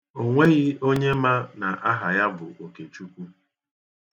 O nweghi onye ma na aha ya bụ Okechukwu.